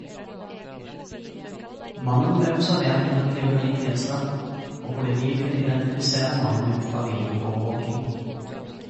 Mannen ble observert under et tyveri tirsdag og politiet kunne identifisere mannen ut fra videoovervåking.